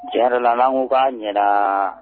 Tiɲɛ yɛrɛ la n'an ko k'a ɲɛnaa